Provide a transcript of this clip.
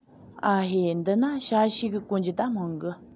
ཨ ཧེ འདི ན ཞ བྱིས གི གོན རྒྱུ ད མང གི